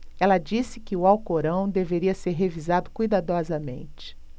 ela disse que o alcorão deveria ser revisado cuidadosamente